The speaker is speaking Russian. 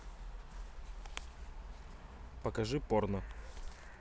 покажите порно